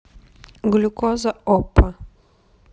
глюкоза оппа